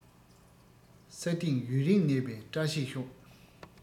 ས སྟེང ཡུན རིང གནས པའི བཀྲ ཤིས ཤོག